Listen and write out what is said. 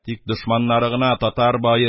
Тик дошманнары гына татар бае